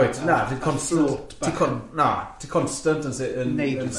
Wyt, na, ti'n constant ti'n con- na, ti'n constant yn sy- yn wneud rwbeth...